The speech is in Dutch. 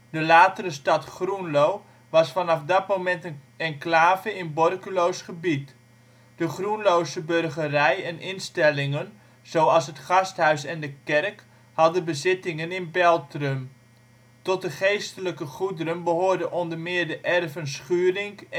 latere stad Groenlo was vanaf dat moment een enclave in Borculo 's gebied. De Groenlose burgerij en in­stellingen, zoals het gasthuis en de kerk hadden bezit­tingen in Beltrum. Tot de " geestelijke " goederen behoor­den onder meer de erven Schurink